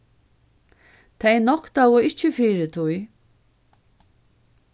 tey noktaðu ikki fyri tí